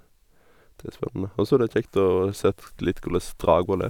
Det er spennende, og så er det kjekt å sett litt korleis Dragvoll er.